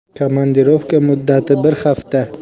komandirovka muddati bir hafta